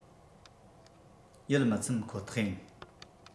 ཡིད མི ཚིམ ཁོ ཐག ཡིན